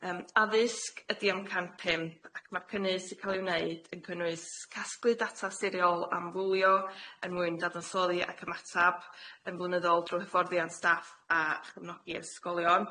Yym addysg ydy am can pump ac ma'r cynnydd sy ca'l i wneud yn cynnwys casglu data siriol am fwlio yn mwyn dadansoddi ac ymatab yn flynyddol trw hyfforddiant staff a chyfnogi ysgolion.